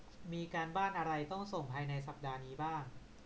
มีการบ้านอะไรต้องส่งภายในสัปดาห์นี้บ้าง